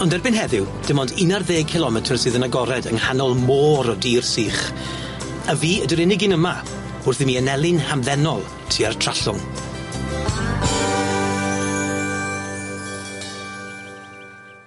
Ond erbyn heddiw, dim ond un ar ddeg cilometr sydd yn agored yng nghanol môr o dir sych a fi ydi'r unig un yma wrth i mi aneli'n hamddenol tua'r Trallwng.